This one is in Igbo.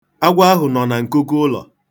Agwọ ahụ nọ na nkuku ụlọ.